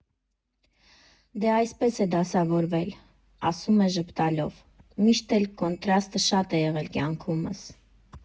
«Դե այսպես է դասավորվել, ֊ ասում է ժպտալով, ֊ միշտ էլ կոնտրաստը շատ է եղել կյանքումս։